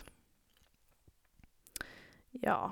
Ja.